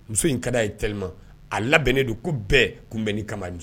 Muso in ka ye t ma a labɛnnen don ko bɛɛ kun bɛ ni kamalenmuso